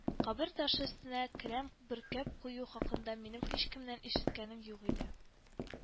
Кабер ташы өстенә келәм бөркәп кую хакында минем һичкемнән ишеткәнем юк иде